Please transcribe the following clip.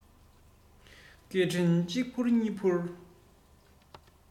སྐད འཕྲིན གཅིག ཕུར གཉིས ཕུར